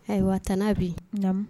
Ayiwa Tani Habi naam